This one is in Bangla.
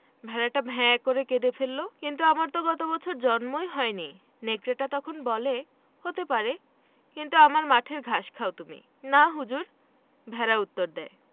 ভেড়াটা ভ্যাঁ করে কেঁদে ফেলল কিন্তু আমার তো গত বছর জন্মই হয়নি নেকড়েটা তখন বলে হতে পারে কিন্তু আমার মাঠের ঘাস খাও তুমি না হুজুর ভেড়া উত্তর দ্যায়